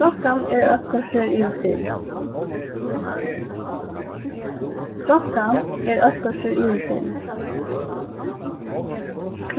klokkan er eitt korter yvir fimm klokkan er eitt korter yvir fimm